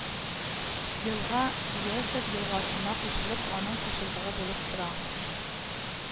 Елга Иосер елгасына кушылып, аның кушылдыгы булып тора